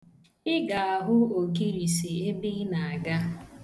Ị ga-ahụ ogirisi ebe ị na-aga.